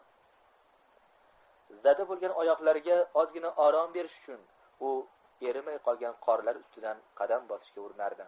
zada bo'lgan oyoqlariga ozgina orom berish uchun u erimay qolgan qorlar ustidan qadam bosishga urinardi